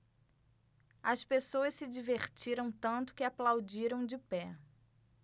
as pessoas se divertiram tanto que aplaudiram de pé